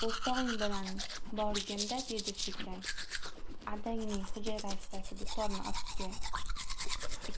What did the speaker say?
o'rtog'ing bilan borgin da dedi sekin adangning hujrasidagi dutorni obke